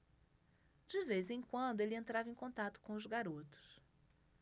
de vez em quando ele entrava em contato com os garotos